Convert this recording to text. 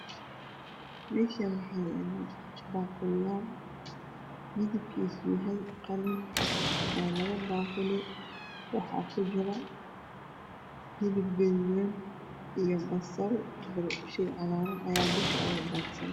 Meeshaan waxaa yaalo baaquliyaal midabkiisu uu yahay qalin. Waa labo baaquli waxaa kujira hilib gaduudan iyo basal, kabsar cagaaran ayaa dusha oga daasan.